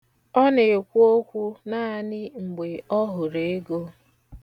Ọ na-ekwu okwu naanị mgbe ọ hụrụ ego.